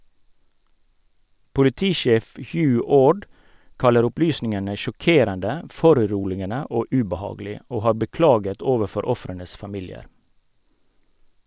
Politisjef Hugh Orde kaller opplysningene «sjokkerende, foruroligende og ubehagelig», og har beklaget overfor ofrenes familier.